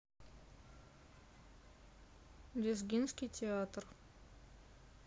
лезгинский театр